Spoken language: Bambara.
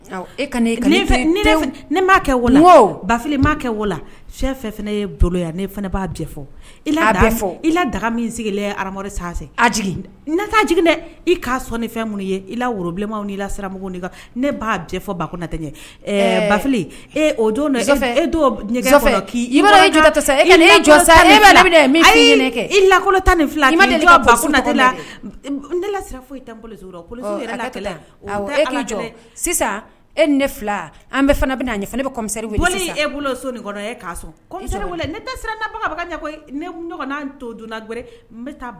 Kolon ni i sisan e ne an bɛ ne bɛmiri so